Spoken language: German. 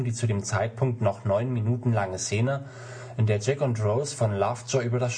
zu dem Zeitpunkt noch neun Minuten lange Szene, in der Jack und Rose von Lovejoy über